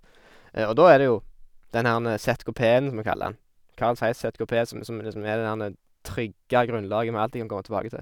Og da er det jo den herre ZKP-en, som vi kaller han, Carl Zeiss ZKP, som som er liksom er det derre trygge grunnlaget vi alltid kan komme tilbake til.